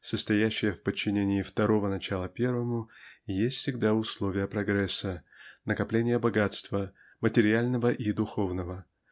состоящее в подчинении второго начала первому есть всегда условие прогресса накопления богатства материального и духовного